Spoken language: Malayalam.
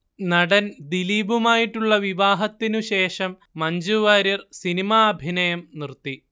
നടൻ ദിലീപുമായിട്ടുള്ള വിവാഹത്തിനു ശേഷം മഞ്ജു വാര്യർ സിനിമ അഭിനയം നിർത്തി